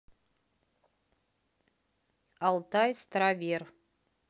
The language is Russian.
алтай старовер